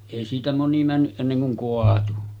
ei siitä moni mennyt ennen kuin kaatui